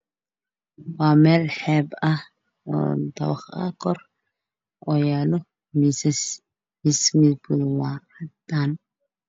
Waa maqaayad banaanka waxaa yaal kuraas in miisas oo cid cid wa-eg waxaa ka dambeeyo bad